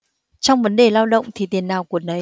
trong vấn đề lao động thì tiền nào của nấy